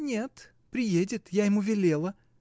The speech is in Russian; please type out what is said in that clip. — Нет, приедет — я ему велела!